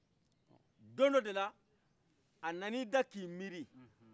don dɔ de la anani da k'i miri